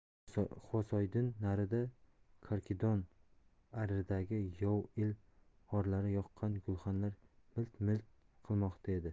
quvasoydin narida karkidon adiridagi yov il g'orlari yoqqan gulxanlar milt milt qilmoqda edi